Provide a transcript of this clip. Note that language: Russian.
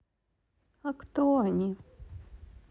а кто они